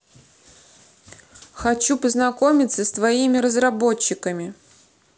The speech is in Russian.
хочу познакомиться с твоими разработчиками